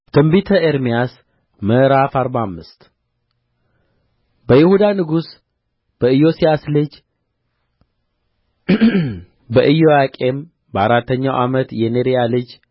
ትንቢተ ኤርምያስ ምዕራፍ አርባ አምስት በይሁዳ ንጉሥ በኢዮስያስ ልጅ በኢዮአቄም በአራተኛው ዓመት የኔርያ ልጅ